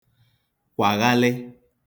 kwàghalị